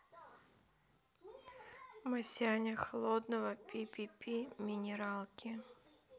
масяня холодного пи пи пи минералки